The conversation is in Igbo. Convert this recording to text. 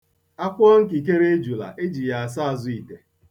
A kwọọ nkikere ejula , e ji ya asa azụ ite.